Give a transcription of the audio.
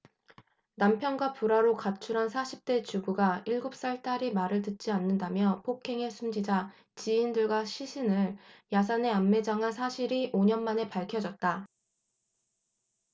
남편과 불화로 가출한 사십 대 주부가 일곱 살 딸이 말을 듣지 않는다며 폭행해 숨지자 지인들과 시신을 야산에 암매장한 사실이 오 년만에 밝혀졌다